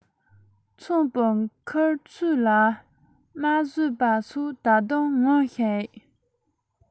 ཚངས པའི མཁུར ཚོས ལ རྨ བཟོས པ སོགས ད དུང ངོམས ཤིག